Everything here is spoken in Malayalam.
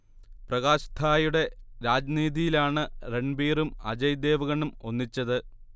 പ്രകാശ് ധായുടെ രാജ്നീതിയിലാണ് രൺബീറും അജയ് ദേവ്ഗണും ഒന്നിച്ചത്